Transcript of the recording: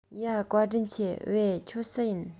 ཡ བཀའ དྲིན ཆེ བེ ཁྱོད སུ ཡིན